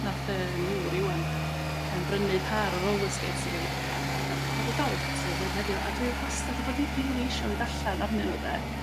'n'a'th 'yng gŵr i 'wan yrm brynu par o roler skates i fi yrr a ma' nhw dal yn ffitio fi hyd heddiw a dwi wastad 'di fod hi- rili isio fynd allan arnyn nhw 'de?